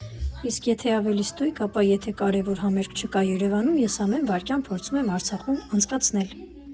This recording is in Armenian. Իսկ եթե ավելի ստույգ, ապա եթե կարևոր համերգ չկա երևանում, ես ամեն վարկյանը փորձում եմ Արցախում անցկացնել։